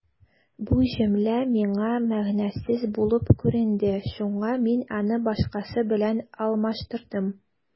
Бу җөмлә миңа мәгънәсез булып күренде, шуңа мин аны башкасы белән алмаштырдым.